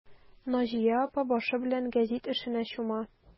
Наҗия апа башы белән гәзит эшенә чума.